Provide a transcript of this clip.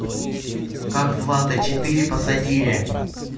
как влад а четыре посадили в